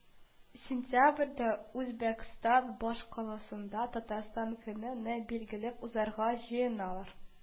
Сентябрьдә үзбәкстан башкаласында “татарстан көне”н билгеләп узарга җыеналар